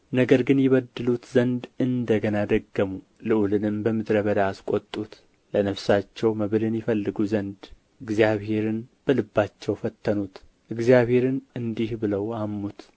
ነገር ግን ይበድሉት ዘንድ እንደ ገና ደገሙ ልዑልንም በምድረ በዳ አስቈጡት ለነፍሳቸው መብልን ይፈልጉ ዘንድ እግዚአብሔርን በልባቸው ፈተኑት እግዚአብሔርን እንዲህ ብለው አሙት